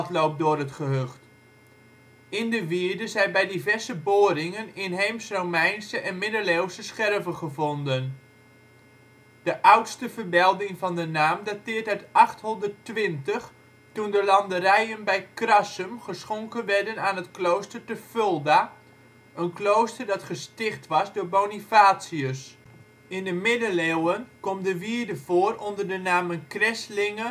loopt door het gehucht. In de wierde zijn bij diverse boringen inheems-Romeinse en middeleeuwse scherven gevonden. De oudste vermelding van de naam dateert uit 820, toen de landerijen bij Krassum geschonken werden aan het klooster te Fulda, een klooster dat gesticht was door Bonifatius. In de middeleeuwen komt de wierde voor onder de namen Creslinge en Krestlinki